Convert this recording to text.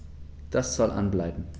Das soll an bleiben.